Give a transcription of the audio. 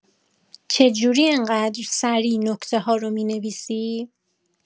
چجوری انقدر سریع نکته‌ها رو می‌نویسی؟